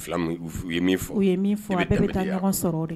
Ye min fɔ u ye min fɔ bɛɛ bɛ taa ɲɔgɔn sɔrɔ